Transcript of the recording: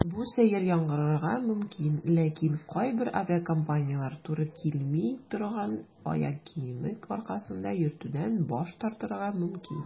Бу сәер яңгырарга мөмкин, ләкин кайбер авиакомпанияләр туры килми торган аяк киеме аркасында йөртүдән баш тартырга мөмкин.